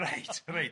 Reit reit.